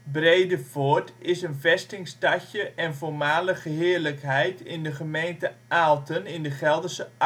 Brevoort) is een vestingstadje en voormalige heerlijkheid in de gemeente Aalten in de Gelderse Achterhoek